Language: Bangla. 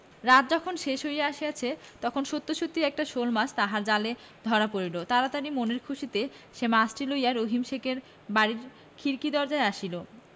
রাত যখন শেষ হইয়া আসিয়াছে তখন সত্য সত্যই একটি শোলমাছ তাহার জালে ধরা পড়িল তাড়াতাড়ি মনের খুশীতে সে মাছটি লইয়া রহিম শেখের বাড়ির খিড়কি দরজায় আসিল